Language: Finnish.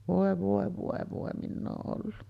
voi voi voi voi minä olen ollut